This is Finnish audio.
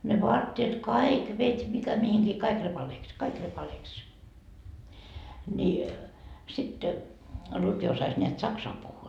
ne vaatteet kaikki veti mikä mihinkin kaikki repaleeksi kaikki repaleeksi niin sitten Lutvi osasi näet saksan puhua